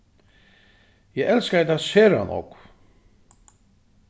eg elskaði tað sera nógv